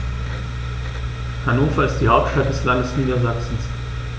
Hannover ist die Hauptstadt des Landes Niedersachsen.